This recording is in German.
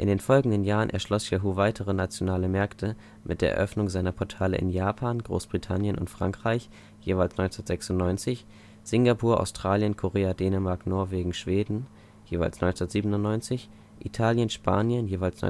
In den folgenden Jahren erschloss Yahoo weitere nationale Märkte mit der Eröffnung seiner Portale in Japan, Großbritannien, Frankreich (jeweils 1996), Singapur, Australien, Korea, Dänemark, Norwegen, Schweden (jeweils 1997), Italien, Spanien (jeweils